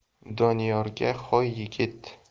doniyorga hoy yigit